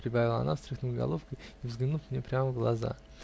-- прибавила она, встряхнув головкой и взглянув мне прямо в глаза.